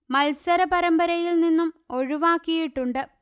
മത്സര പരമ്പരയിൽ നിന്നും ഒഴിവാക്കിയിട്ടുണ്ട്